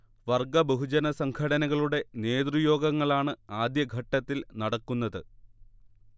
വർഗ ബഹുജന സംഘടനകളുടെ നേതൃയോഗങ്ങളാണ് ആദ്യഘട്ടത്തിൽ നടക്കുന്നത്